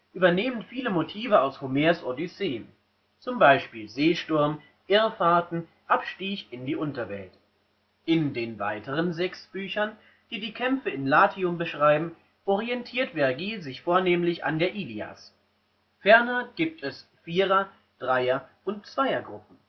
übernehmen viele Motive aus Homers Odyssee (z. B. Seesturm, Irrfahrten, Abstieg in die Unterwelt). In den weiteren sechs Büchern, die die Kämpfe in Latium beschreiben, orientiert Vergil sich vornehmlich an der Ilias. Ferner gibt es Vierer -, Dreier - und Zweiergruppen